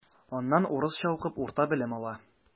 Аннан урысча укып урта белем ала.